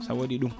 sa waɗi ɗum